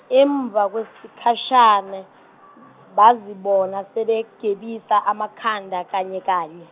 emva kwesikhashane bazibona sebegebisa amakhanda kanye kanye.